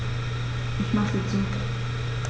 Ich mache sie zu.